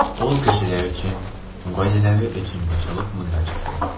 Ул кешеләр өчен, гаиләләре өчен борчылып монда чыктым.